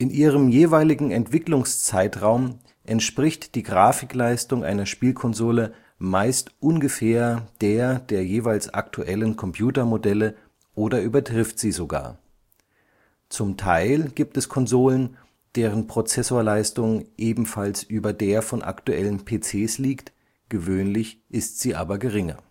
ihrem jeweiligen Entwicklungszeitraum entspricht die Grafikleistung einer Spielkonsole meist ungefähr der der jeweils aktuellen Computermodelle oder übertrifft sie sogar. Zum Teil gibt es Konsolen, deren Prozessorleistung ebenfalls über der von aktuellen PCs liegt, gewöhnlich ist sie aber geringer